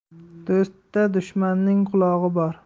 do'stda dushmanning qulog'i bor